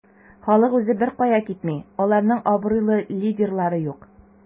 Халык үзе беркая китми, аларның абруйлы лидерлары юк.